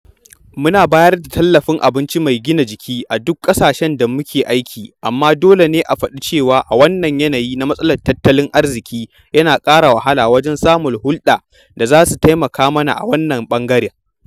Muna bayar da tallafin abinci mai gina jiki a duk ƙasashen da muke aiki, amma dole ne a faɗi cewa a wannan yanayi na matsalar tattalin arziƙi yana ƙara wahala wajen samun hulɗa da za su taimaka mana a wannan ɓangaren.